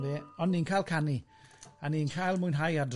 Na, ond ni'n cael canu, a ni'n cael mwynhau adre.